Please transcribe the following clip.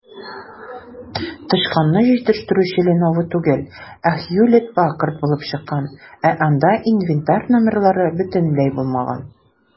Тычканны җитештерүче "Леново" түгел, ә "Хьюлетт-Паккард" булып чыккан, ә анда инвентарь номерлары бөтенләй булмаган.